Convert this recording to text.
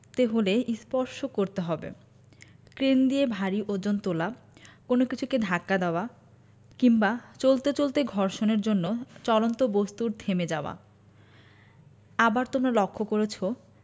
হলে স্পর্শ করতে হবে ক্রেন দিয়ে ভারী জিনিস তোলা কোনো কিছুকে ধাক্কা দেওয়া কিংবা চলতে চলতে ঘর্ষণের জন্য চলন্ত বস্তুর থেমে যাওয়া আবার তোমরা লক্ষ করেছ